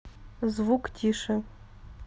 звук тише